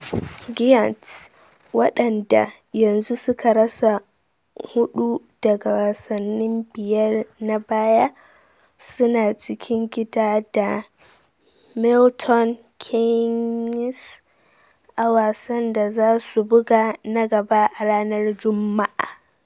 Giants, waɗanda yanzu suka rasa hudu daga wasanni biyar na baya, su na cikin gida da Milton Keynes a wasan da za su buga na gaba a ranar Jumma'a.